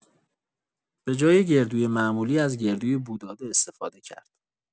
به‌جای گردوی معمولی، از گردوی بو داده استفاده کرد.